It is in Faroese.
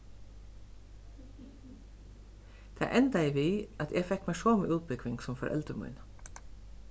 tað endaði við at eg fekk mær somu útbúgving sum foreldur míni